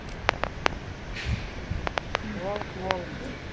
волк волк